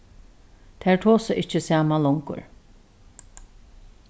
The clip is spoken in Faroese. tær tosa ikki saman longur